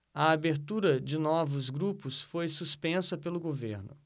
a abertura de novos grupos foi suspensa pelo governo